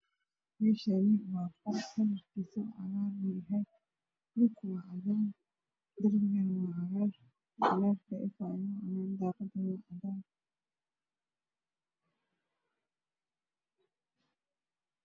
Meeshaan waa qol kalarkiisa cagaar yahay dhulka waa cadaan darbiga waa cagaar cagaarka ifaayo daaqadane waa cadaan.